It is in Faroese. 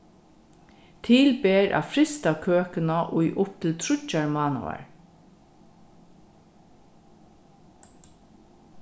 til ber at frysta køkuna í upp til tríggjar mánaðar